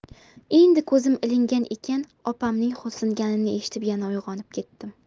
endi ko'zim ilingan ekan opamning xo'rsinganini eshitib yana uyg'onib ketdim